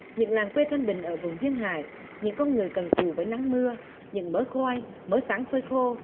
những làng quê thanh bình ở vùng duyên hải những con người cần cù với nắng mưa những mớ khoai mớ sắn phơi khô